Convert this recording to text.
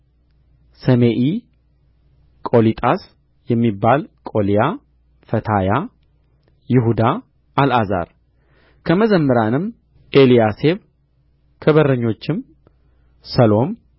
ሰሜኢ ቆሊጣስ የሚባል ቆልያ ፈታያ ይሁዳ አልዓዛር ከመዘምራንም ኤልያሴብ ከበረኞችም ሰሎም